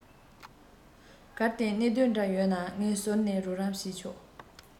གལ ཏེ གནད དོན འདྲ ཡོད ན ངས ཟུར ནས རོགས རམ བྱས ཆོག